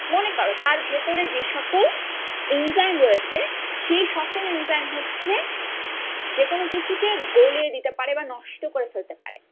মনে করো তার ভেতরে যে সকল এনজাইম রয়েছে সেই সকল এনজাইম হচ্ছে যেকোনো কিছুকে গলিয়ে দিতে পারে বা নষ্ট করে ফেলতে পারে